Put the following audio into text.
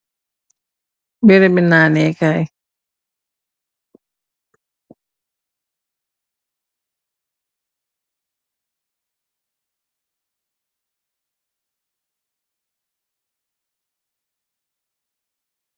Berubi nanne kaye.